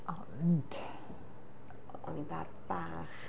Ond, o'n i'n Bar Bach.